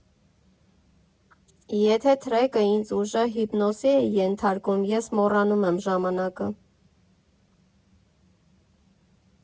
Եթե թրեքը ինձ ուժեղ հիպնոսի է ենթարկում, ես մոռանում եմ ժամանակը։